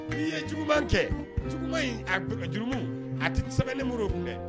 Ye juguman in kɛ jugu in juru a tɛ sɛbɛnlen muru ye kun kɛ